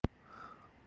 o'zi yaxshi